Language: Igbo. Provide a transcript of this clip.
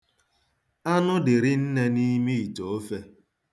Anụ dị rinne n'ime ite ofe.